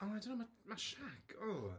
Oh, I don't know, mae Shaq ww!